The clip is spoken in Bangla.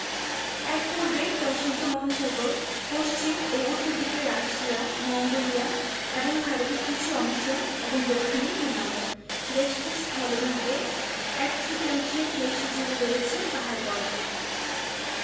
এর পূর্বে প্রশান্ত মহাসাগর পশ্চিম ও উত্তর দিকে রাশিয়া মঙ্গোলিয়া এবং ভারতের কিছু অংশ এবং দক্ষিনে হিমালয় দেশটির স্থলভাগে এক তৃতীয়াংশের বেশি জুড়ে রয়ছে পাহাড় পর্বত